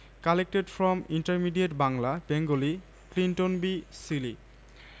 collected from intermediate Bangla Bengali Clinton B Seely